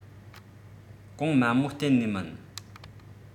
གོང དམའ མོ གཏན ནས མིན